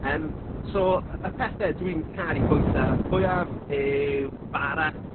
Yym so y pethe dwi'n caru bwyta fwyaf yw bara.